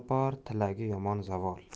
topar tilagi yomon zavol